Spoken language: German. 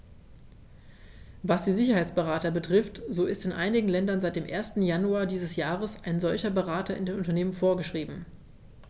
Was die Sicherheitsberater betrifft, so ist in einigen Ländern seit dem 1. Januar dieses Jahres ein solcher Berater in den Unternehmen vorgeschrieben.